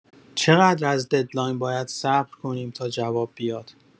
چقدر از ددلاین باید صبر کنیم تا جواب بیاد؟